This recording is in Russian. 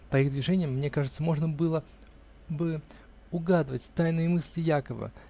По их движениям, мне кажется, можно бы было угадывать тайные мысли Якова